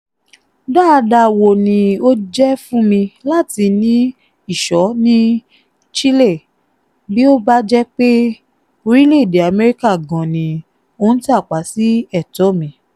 Dáadáa wo ni ó jẹ́ fún mi láti ní ìṣọ́ ní Chile bí ó bá jẹ́ pé orílẹ̀-èdè Amẹ́ríkà gan ni ó ń tàpá sí ẹ̀tọ́ mi?